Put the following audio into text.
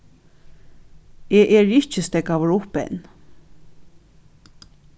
eg eri ikki steðgaður upp enn